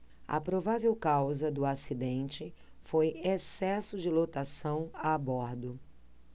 a provável causa do acidente foi excesso de lotação a bordo